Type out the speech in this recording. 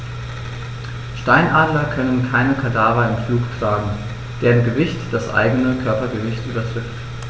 Steinadler können keine Kadaver im Flug tragen, deren Gewicht das eigene Körpergewicht übertrifft.